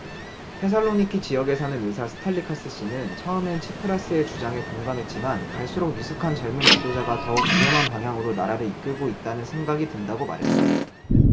테살로니키 지역에 사는 의사 스탈리카스씨는 처음엔 치프라스의 주장에 공감했지만 갈수록 미숙한 젊은 지도자가 더욱 위험한 방향으로 나라를 이끌고 있다는 생각이 든다고 말했다